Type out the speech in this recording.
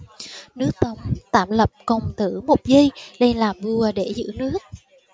nước tống tạm lập công tử mục di lên làm vua để giữ nước